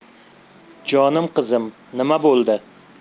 jon qizim nima bo'ldi